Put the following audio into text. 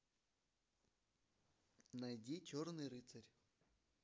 найди черный рыцарь